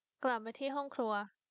กลับไปที่ห้องครัว